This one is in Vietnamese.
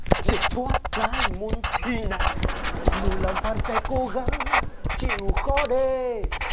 để thoát cái môn thi này nhủ lòng phan sẽ cố gắng chịu khó đê